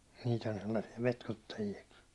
niitä on sellaisia petkuttajiakin